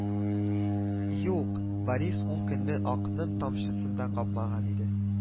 Юк, Борис ул көнне «ак»ның тамчысын да капмаган иде